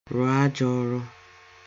rụ ajo ọrụ